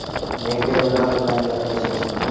nega ular bilan gaplashasan